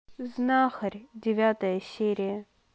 знахарь девятая серия